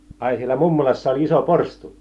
ai siellä mummolassa oli iso porstua